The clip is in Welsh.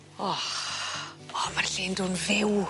O! O ma'r lle'n do' 'n fyw.